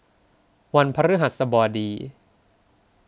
วันพฤหัสบดี